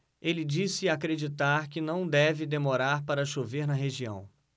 ele disse acreditar que não deve demorar para chover na região